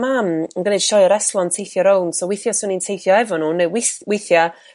mam yn g'neud sioea' reslo yn teithio rownd so weithia' 'swn i'n teithio efo n'w ne- weithia'